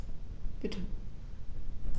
Bitte.